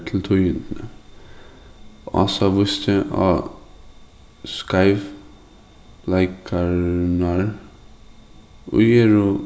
til tíðindini ása vísti á skeivleikarnar ið eru